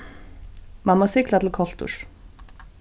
mann má sigla til kolturs